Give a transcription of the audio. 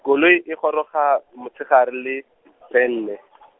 koloi e goroga, motshegare le, penne.